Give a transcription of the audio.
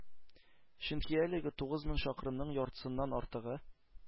Чөнки әлеге тугыз мең чакрымның яртысыннан артыгы,